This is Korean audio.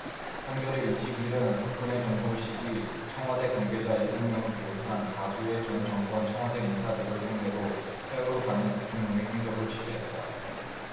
한겨레 이십 일 은 박근혜 정부 시기 청와대 관계자 일곱 명을 비롯한 다수의 전 정권 청와대 인사들을 상대로 세월호 당일 대통령의 행적을 취재했다